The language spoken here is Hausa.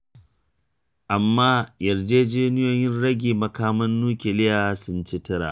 Amma yarjejeniyoyin rage makaman nukiliyar sun ci tura.